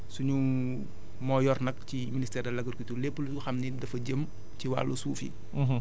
bon suñu moo yor nag ci ministère de l' agriculture lépp loo xam ni dafa jëm ci wàllu suuf yi